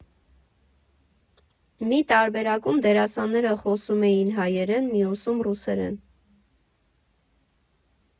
Մի տարբերակում դերասանները խոսում էին հայերեն, մյուսում՝ ռուսերեն։